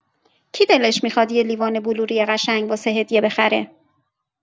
کی دلش می‌خواد یه لیوان بلوری قشنگ واسه هدیه بخره؟